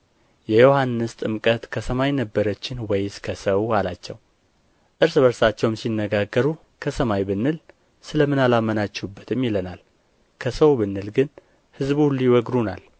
የዮሐንስ ጥምቀት ከሰማይ ነበረችን ወይስ ከሰው አላቸው እርስ በርሳቸውም ሲነጋገሩ ከሰማይ ብንል ስለ ምን አላመናችሁበትም ይለናል ከሰው ብንል ግን ሕዝቡ ሁሉ ይወግሩናል